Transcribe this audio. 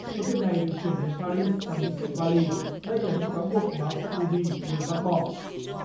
số tiền này được chuyển đến pa rít trong những chiếc va li đây là những cáo buộc mà ông sác cô ri luôn bác bỏ